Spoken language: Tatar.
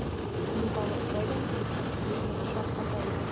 “бу халык кайдан килеп чыкты”, дип мин шакката идем.